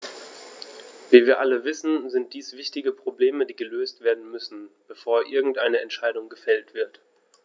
Wie wir alle wissen, sind dies wichtige Probleme, die gelöst werden müssen, bevor irgendeine Entscheidung gefällt wird.